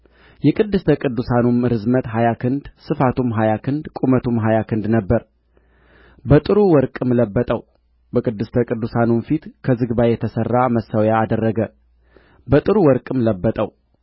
የቅድስተ ቅዱሳንም ርዝመት ሀያ ክንድ ስፋቱም ሀያ ክንድ ቁመቱም ሀያ ክንድ ነበረ በጥሩ ወርቅም ለበጠው በቅድስተ ቅዱሳኑም ፊት ከዝግባ የተሠራ መሠዊያ አደረገ በጥሩ ወርቅም ለበጠው